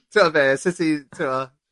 ...t'bo' be' sut i t'mo'